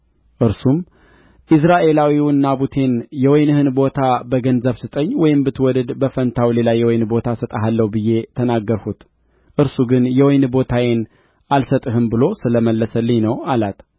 እርሱም ኢይዝራኤላዊውን ናቡቴን የወይንህን ቦታ በገንዘብ ስጠኝ ወይም ብትወድድ በፋንታው ሌላ የወይን ቦታ እሰጥሃለሁ ብዬ ተናገርሁት እርሱ ግን የወይን ቦታዬን አልሰጥህም ብሎ ስለ መለሰልኝ ነው አላት